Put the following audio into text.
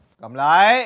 cầm lấy